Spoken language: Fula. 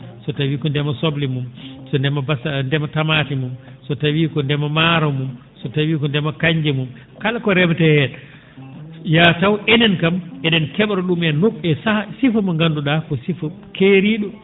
so tawii ko ndema soble mum so ndema basa ndema tamaate mum so tawii ko ndema maaro mum so tawii ko ndema kannje mum kala ko remetee heen yataw enen kam e?en ke?ra ?um e nokku e sahaa e sifa mo nganndu?aa ko sifa keeri?o